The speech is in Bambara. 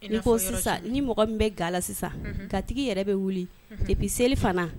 N ko sisan ni mɔgɔ min bɛ ga sisan ka tigi yɛrɛ bɛ wuli i bɛ seli fana